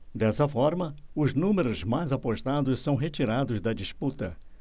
dessa forma os números mais apostados são retirados da disputa